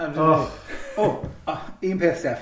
O, o, o, un peth, Steff.